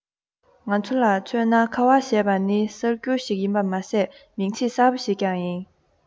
ང ཚོ ལ མཚོན ན ཁ བ ཞེས པ ནི གསར འགྱུར ཞིག ཡིན པ མ ཟད མིང ཚིག གསར པ ཞིག ཀྱང ཡིན